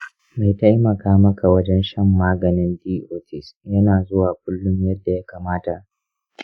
mai taimaka maka wajen shan maganin dots yana zuwa kullum yadda ya kamata?